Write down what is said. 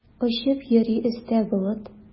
Очып йөри өстә болыт.